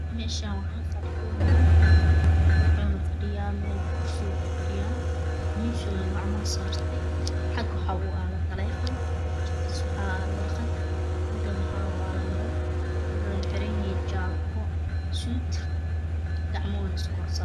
Meeshaani waxa fadhiyo nin waxoona ku fadhiyaa meel kursi ayuu ku fadhiyaa miisowna gacmaha saarti xagga waxa uu Aalo taleefon hortiis waxaa Aalo warqad intana waxa Aalo marro wuxuuna xeran yahay jaako shuud gacmahow is korsaarti